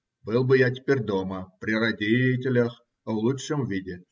был бы я теперь дома, при родителях, в лучшем виде.